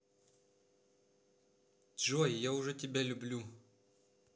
джой я уже тебя люблю